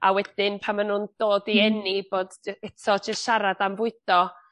A wedyn pan ma' nw'n dod i eni bod jy- eto jyst siarad am fwydo